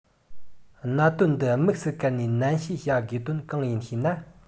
གནད དོན འདི དམིགས སུ བཀར ནས ནན བཤད བྱ དགོས དོན གང ཡིན ནམ ཞེ ན